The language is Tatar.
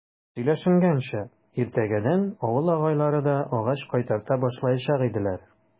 Сөйләшенгәнчә, иртәгәдән авыл агайлары да агач кайтарта башлаячак иделәр.